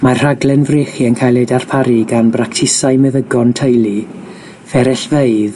Mae'r rhaglen frechu yn cael eu darparu gan bractisau meddygon teulu, fferyllfeydd,